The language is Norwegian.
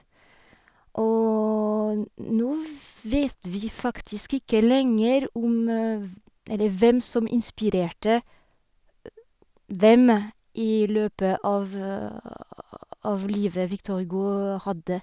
Og nå vet vi faktisk ikke lenger om v eller hvem som inspirerte hvem i løpet av av livet Victor Hugo hadde.